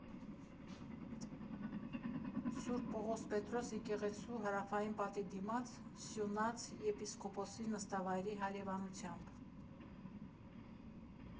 Սուրբ Պողոս֊Պետրոս եկեղեցու հարավային պատի դիմաց՝ Սյունյաց եպիսկոպոսի նստավայրի հարևանությամբ։